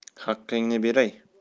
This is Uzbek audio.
haqqingni beray